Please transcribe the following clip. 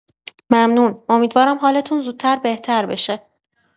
ممنون، امیدوارم حالتون زودتر بهتر بشه.